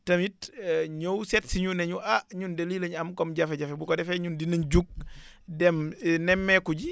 tamit ñëw seet si ñu ne ñu ah ñun de lii la ñu am comme jafe-jafe bu ko defee ñun dinañ jug dem nemmeeku ji